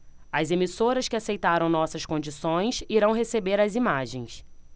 as emissoras que aceitaram nossas condições irão receber as imagens